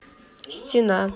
стена